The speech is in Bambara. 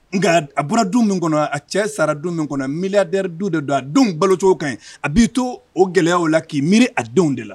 Nka a bɔra du min kɔnɔ a cɛ sara don min kɔnɔ mid don de don a denw balocogo kan a b'i to o gɛlɛya la k'i miiri a denw de la